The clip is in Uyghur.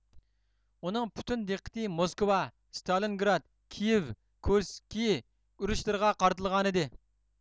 ئۇنىڭ پۈتۈن دىققىتى موسكۋا ستالىنگراد كىيىۋ كۇرسىكىي ئۇرۇشلىرىغا قارىتىلغانىدى